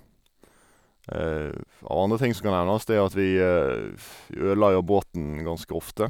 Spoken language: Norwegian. Av andre ting som kan nevnes, er at vi vi ødela jo båten ganske ofte.